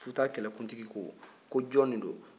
futa kɛlɛkuntigi ko ko jɔn don